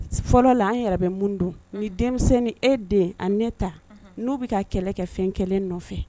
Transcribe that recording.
Fɔlɔ la an yɛrɛbɛ mun don ni denmisɛnninni e den ne ta n'u bɛ ka kɛlɛ kɛ fɛn kelen nɔfɛ